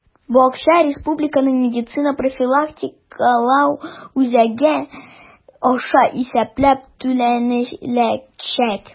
Бу акча Республиканың медицина профилактикалау үзәге аша исәпләп түләнеләчәк.